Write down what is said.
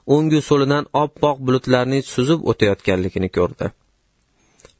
o'ngu so'lidan oppoq bulutlarning suzib o'tayotganini ko'rdi